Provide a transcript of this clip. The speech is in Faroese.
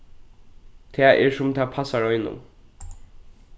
tað er sum tað passar einum